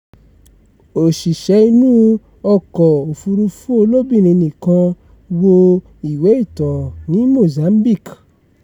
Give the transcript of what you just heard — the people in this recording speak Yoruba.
Òṣìṣẹ́ inú ọkọ̀ òfuurufú olóbìnrin nìkan wọ ìwé ìtàn ní Mozambique